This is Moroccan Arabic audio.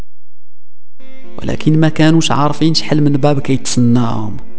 ولكن مكان مش عارفين تحلمت باكيت في النوم